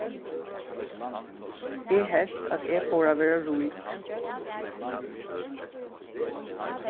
eg helt at eg fór at verða rík